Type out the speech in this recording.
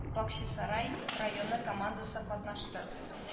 Бакчасарай районы командасы катнашты